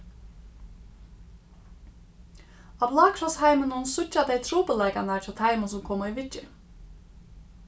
á blákrossheiminum síggja tey trupulleikarnar hjá teimum sum koma í viðgerð